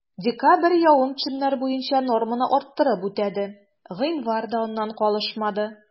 Декабрь явым-төшемнәр буенча норманы арттырып үтәде, гыйнвар да аннан калышмады.